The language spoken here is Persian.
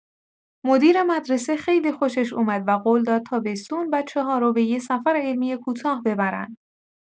مدیر مدرسه خیلی خوشش اومد و قول داد تابستون بچه‌ها رو به یه سفر علمی کوتاه ببرن.